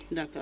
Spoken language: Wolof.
d' accord